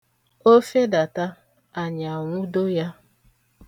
O fedata, anyị anwudo ya.